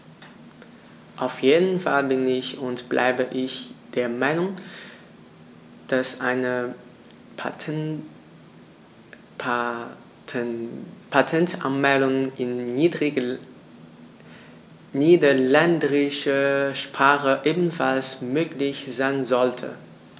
Auf jeden Fall bin - und bleibe - ich der Meinung, dass eine Patentanmeldung in niederländischer Sprache ebenfalls möglich sein sollte.